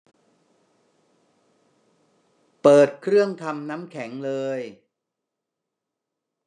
เปิดเครื่องทำน้ำแข็งเลย